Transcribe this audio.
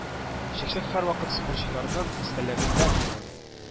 Чәк-чәк һәрвакыт спортчыларның өстәлләрендә булган.